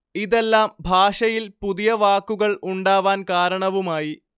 ഇതെല്ലാം ഭാഷയിൽ പുതിയ വാക്കുകൾ ഉണ്ടാവാൻ കാരണവുമായി